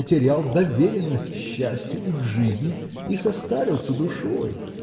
потерял доверенность к счастью и к жизни и состарелся душой.